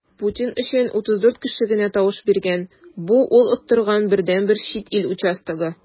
Путин өчен 34 кеше генә тавыш биргән - бу ул оттырган бердәнбер чит ил участогы.